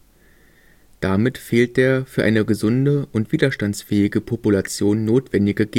Damit fehlt der für eine gesunde und widerstandsfähige Population notwendige